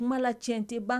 ' la tiɲɛ tɛ ban